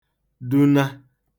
duna